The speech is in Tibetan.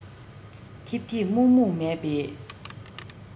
ཐིབ ཐིབ སྨུག སྨུག མེད པའི